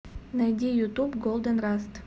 найди на ютуб голден раст